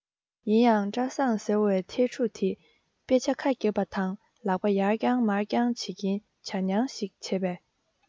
ཡིན ཡང བཀྲ བཟང ཟེར བའི ཐན ཕྲུག དེས དཔེ ཆ ཁ བརྒྱབ པ དང ལག པ ཡར བརྐྱངས མར བརྐྱངས བྱེད ཀྱིན བྱ རྨྱང ཞིག བྱེད པས